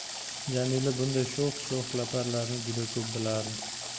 jamila bunday sho'x sho'x laparlarni juda ko'p bilardi